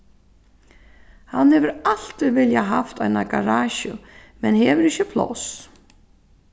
hann hevur altíð viljað havt eina garasju men hevur ikki pláss